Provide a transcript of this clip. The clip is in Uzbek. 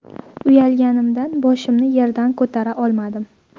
uyalganimdan boshimni yerdan ko'tara olmadim